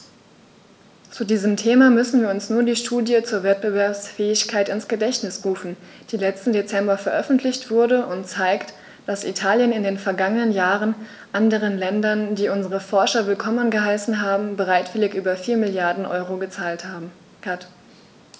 Zu diesem Thema müssen wir uns nur die Studie zur Wettbewerbsfähigkeit ins Gedächtnis rufen, die letzten Dezember veröffentlicht wurde und zeigt, dass Italien in den vergangenen Jahren anderen Ländern, die unsere Forscher willkommen geheißen haben, bereitwillig über 4 Mrd. EUR gezahlt hat.